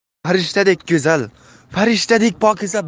farishtadek go'zal farishtadek pokiza